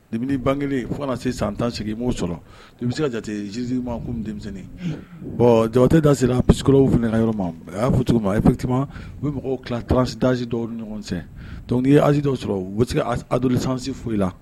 Ini bange kelen fo na se san tan sigi m' sɔrɔ de bɛ se ka jatesi ma denmisɛnnin bɔn jate da serakorow fana yɔrɔ ma a y'a fɔ cogo e ptima u mɔgɔw ki tila taarasidsi dɔw ni ɲɔgɔnsɛn' ye az dɔw sɔrɔ odul sansi foyi la